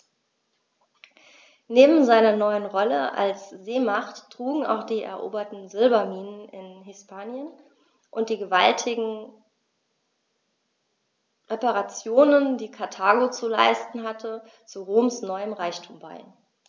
Neben seiner neuen Rolle als Seemacht trugen auch die eroberten Silberminen in Hispanien und die gewaltigen Reparationen, die Karthago zu leisten hatte, zu Roms neuem Reichtum bei.